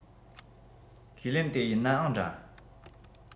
ཁས ལེན དེ ཡིན ནའང འདྲ